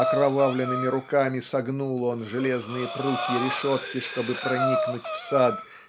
окровавленными руками согнул он железные прутья решетки чтобы проникнуть в сад